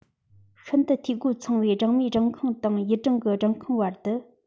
ཤིན ཏུ འཐུས སྒོ ཚང བའི སྦྲང མའི སྦྲང ཁང དང ཡུལ སྦྲང གི སྦྲང ཁང བར དུ